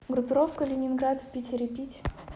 группировка ленинград в питере пить